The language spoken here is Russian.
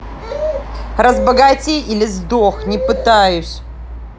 разбогатей или сдох не пытаюсь